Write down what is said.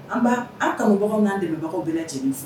An b'an kanubagaw n'an demɛbagaw bɛ lajɛlen fo.